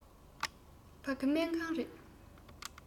ཕ གི སྨན ཁང རེད